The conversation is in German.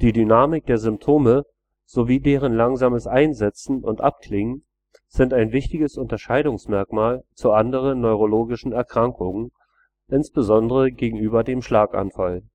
Dynamik der Symptome sowie deren langsames Einsetzen und Abklingen sind ein wichtiges Unterscheidungsmerkmal zu anderen neurologischen Erkrankungen, insbesondere gegenüber dem Schlaganfall